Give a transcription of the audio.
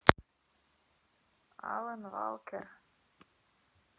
ален валкер